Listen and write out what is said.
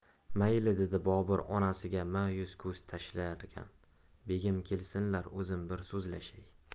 mayli dedi bobur onasiga mayus ko'z tashlarkan begim kelsinlar o'zim bir so'zlashay